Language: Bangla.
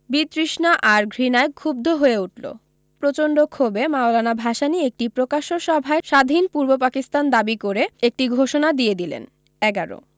বিতৃষ্ণা আর ঘৃণায় ক্ষুব্ধ হয়ে উঠল প্রচণ্ড ক্ষোভে মাওলানা ভাসানী একটি প্রকাশ্য সভায় স্বাধীন পূর্ব পাকিস্তান দাবি করে একটি ঘোষণা দিয়ে দিলেন ১১